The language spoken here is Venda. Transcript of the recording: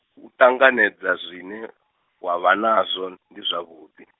u ṱanganedza zwine, wavha nazwo, ndi zwavhuḓi.